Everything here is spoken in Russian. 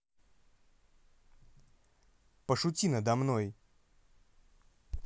пошути надо мной